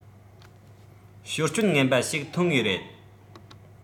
ཞོར སྐྱོན ངན པ ཞིག ཐོན ངེས རེད